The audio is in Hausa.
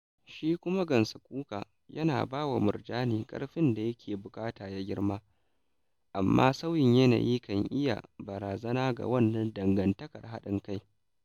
Shi kuma gansakuka yana ba wa murjani ƙarfin da ya ke buƙata ya girma, amma sauyin yanayi kan iya barazana ga wannan dangantakar haɗin kai.